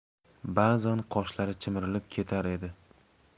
ba'zan qoshlari chimirilib ketar edi